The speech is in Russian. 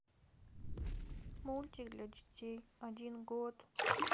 мультик для детей один год